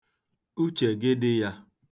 uchè gị di yā